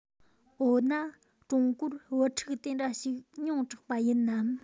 འོ ན ཀྲུང གོར བུ ཕྲུག དེ འདྲ ཞིག ཉུང དྲགས པ ཡིན ནམ